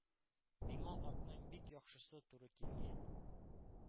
— миңа атның бик яхшысы туры килгән.